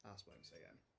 That's what I'm saying